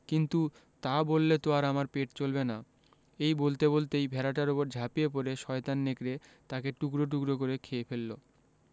কিন্তু তা বললে তো আর আমার পেট চলবে না এই বলতে বলতেই ভেড়াটার উপর ঝাঁপিয়ে পড়ে শয়তান নেকড়ে তাকে টুকরো টুকরো করে খেয়ে ফেলল